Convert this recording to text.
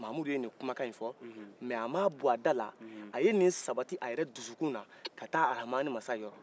mamudu ye nin kumakanye fo mais a m'a b'a dala a ye nin sabati a yɛrɛ dusugunna ka ta arhamani masa yɔrɔ